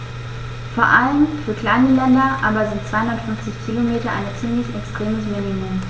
Vor allem für kleine Länder aber sind 250 Kilometer ein ziemlich extremes Minimum.